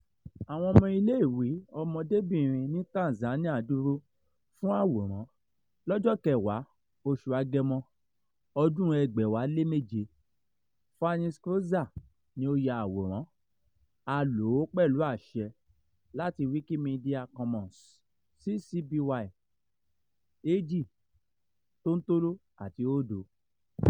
Àwọn Ọmọiléèwé ọmọdébìnrin ní Tanzania dúró fún àwòrán lọ́jọ́ 10 oṣù Agẹmọ ọdún-un, 2007. Fanny Schertzer ni ó ya àwòrán, a lò ó pẹ̀lú àṣẹ láti Wikimedia Commons, CC BY 2.0.